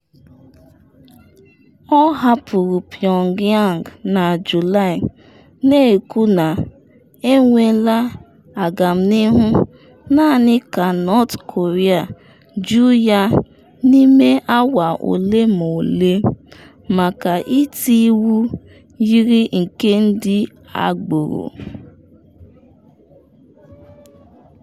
Ọ hapụrụ Pyongyang na Julaị na-ekwu na enwela agamnihu, naanị ka North Korea jụ ya n’ime awa ole ma ole maka iti “iwu yiri nke ndị agboro.”